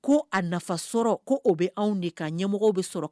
Ko a nafa sɔrɔ ko o bɛ anw de kan, ɲɛmɔgɔ bɛ sɔrɔ